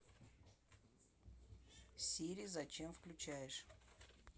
сири зачем включаешь